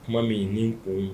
Kuma min ni koo ye